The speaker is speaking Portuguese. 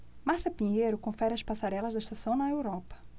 márcia pinheiro confere as passarelas da estação na europa